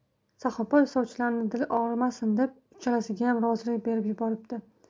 saxoba sovchilarning dili og'rimasin deb uchalasigayam rozilik berib yuboribdi